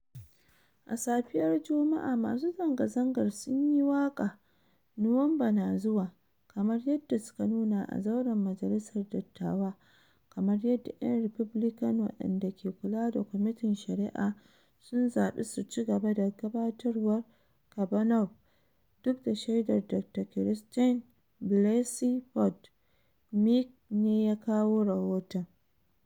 A safiyar Jumma'a, masu zanga-zangar sun yi waka "Nuwamba na zuwa!" kamar yadda suka nuna a zauren majalisar dattawa kamar yadda 'yan Republican waɗanda ke kula da kwamitin Shari'a sun zabi su cigaba da gabatarwar Kavanaugh duk da shaidar Dr. Christine Blasey Ford, Mic ne ya kawo rohoton.